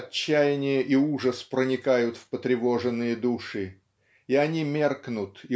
Отчаяние и ужас проникают в потревоженные души и они меркнут